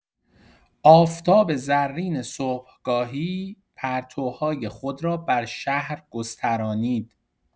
آفتاب زرین صبحگاهی، پرتوهای خود را بر شهر گسترانید.